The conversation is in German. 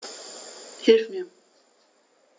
Hilf mir!